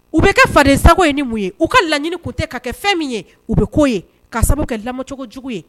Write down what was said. U bɛ kɛ faden sagogo ye ni mun ye u ka laɲini tun tɛ ka kɛ fɛn min ye u bɛ k'o ye ka sababu kɛ lamɔmacogo cogojugu ye